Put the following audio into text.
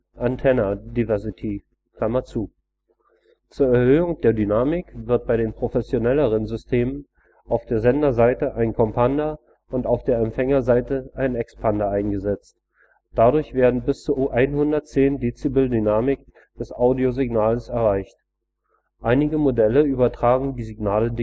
Antenna Diversity). Zur Erhöhung der Dynamik wird bei den professionelleren Systemen auf der Senderseite ein Kompander und auf der Empfängerseite ein Expander eingesetzt; dadurch werden bis zu 110 dB Dynamik des Audiosignales erreicht. Einige Modelle übertragen die Signale